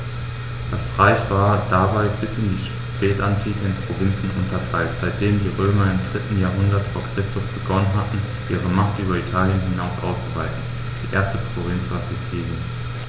Das Reich war dabei bis in die Spätantike in Provinzen unterteilt, seitdem die Römer im 3. Jahrhundert vor Christus begonnen hatten, ihre Macht über Italien hinaus auszuweiten (die erste Provinz war Sizilien).